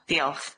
Diolch.